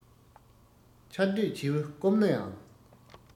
ཆར འདོད བྱེའུ སྐོམ ན ཡང